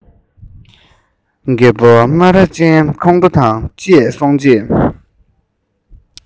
རྒད པོ སྨ ར ཅན ཁོང ཁྲོ དང བཅས སོང རྗེས